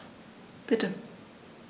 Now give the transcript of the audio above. Bitte.